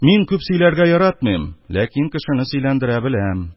Мин күп сөйләргә яратмыйм, ләкин кешене сөйләндерә беләм.